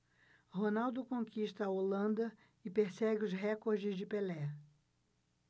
ronaldo conquista a holanda e persegue os recordes de pelé